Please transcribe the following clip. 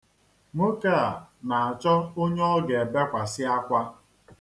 Nwoke a na-achọ onye ọ ga-ebekwasi akwa.